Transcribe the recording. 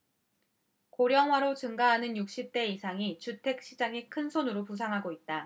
고령화로 증가하는 육십 대 이상이 주택 시장의 큰손으로 부상하고 있다